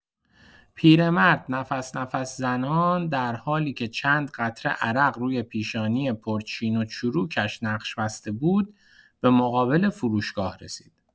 پیرمرد نفس‌نفس‌زنان، درحالی‌که چند قطره عرق روی پیشانی پرچین‌وچروکش نقش بسته بود، به مقابل فروشگاه رسید.